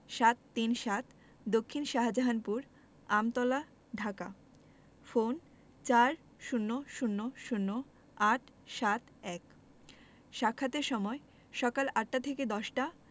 ৭৩৭ দক্ষিন শাহজাহানপুর আমতলা ধাকা ফোন ৪০০০৮৭১ সাক্ষাতের সময় সকাল ৮ থেকে ১০ টা